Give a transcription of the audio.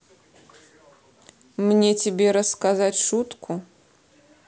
мне тебе рассказать шутку